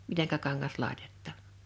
miten kangas laitetaan